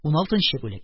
Уналтынчы бүлек